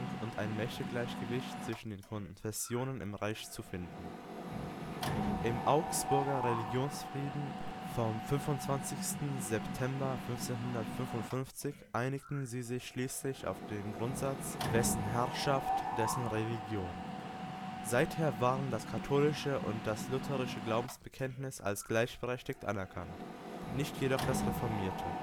und ein Mächtegleichgewicht zwischen den Konfessionen im Reich zu finden. Im Augsburger Religionsfrieden vom 25. September 1555 einigten sie sich schließlich auf den Grundsatz wessen Herrschaft, dessen Religion. Seither waren das katholische und das lutherische Glaubensbekenntnis als gleichberechtigt anerkannt, nicht jedoch das reformierte